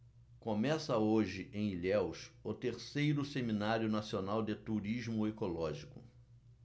começa hoje em ilhéus o terceiro seminário nacional de turismo ecológico